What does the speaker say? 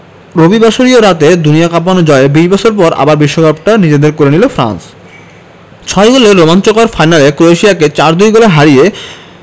রবিবাসরীয় রাতে দুনিয়া কাঁপানো জয়ে ২০ বছর পর আবার বিশ্বকাপটা নিজেদের করে নিল ফ্রান্স ছয় গোলের রোমাঞ্চকর ফাইনালে ক্রোয়েশিয়াকে ৪ ২ গোলে হারিয়ে